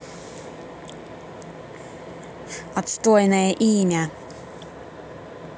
отстойное имя